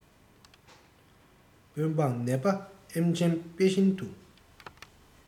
དཔོན འབངས ནད པ ཨེམ ཆིའི དཔེ བཞིན དུ